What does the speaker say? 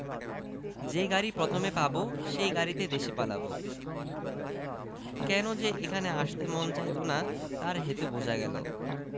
যে গাড়ি প্রথমে পাব সেই গাড়িতে দেশে পালাব কেন যে এখানে আসতে মন চাইত না তার হেতু বোঝা গেল